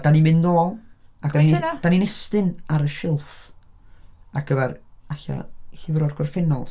Dan ni'n mynd nôl a dan ni... dan ni'n estyn ar y silff ar gyfer falla llyfr o'r gorffennol.